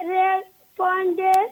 Ne paul tɛ